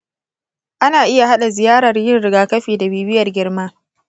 ana iya haɗa ziyarar yin rigakafi da bibiyar girma.